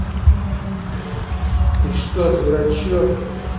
ты что дурачок